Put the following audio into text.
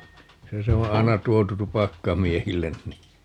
se se on aina tuotu tupakkamiehille niin